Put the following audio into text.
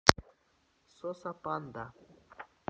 coca панда